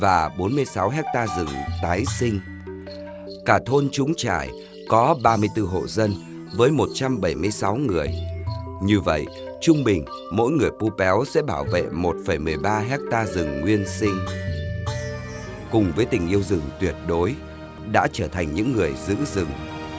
và bốn mươi sáu héc ta rừng tái sinh cả thôn trống chải có ba mươi tư hộ dân với một trăm bảy mươi sáu người như vậy trung bình mỗi người pu péo sẽ bảo vệ một phẩy mười ba héc ta rừng nguyên sinh cùng với tình yêu rừng tuyệt đối đã trở thành những người giữ rừng